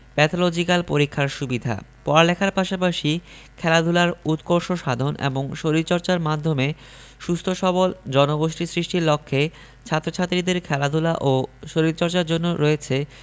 pathological পরীক্ষার সুবিধা পড়ালেখার পাশাপাশি খেলাধুলার উৎকর্ষ সাধন এবং শরীরচর্চার মাধ্যমে সুস্থ সবল জনগোষ্ঠী সৃষ্টির লক্ষ্যে ছাত্র ছাত্রীদের খেলাধুলা ও শরীরচর্চার জন্য রয়েছে